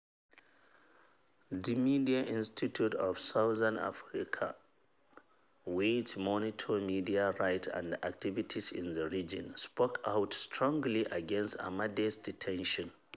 The Media Institute of Southern Africa, which monitors media rights and activities in the region, spoke out strongly against Amade's detention: